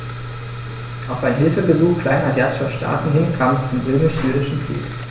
Auf ein Hilfegesuch kleinasiatischer Staaten hin kam es zum Römisch-Syrischen Krieg.